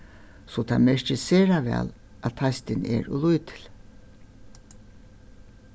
so tað merkist sera væl at teistin er ov lítil